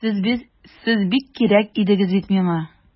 Сез бик кирәк идегез бит миңа!